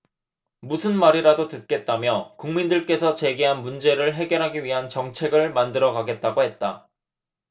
무슨 말이라도 듣겠다며 국민들께서 제기한 문제를 해결하기 위한 정책을 만들어 가겠다고 했다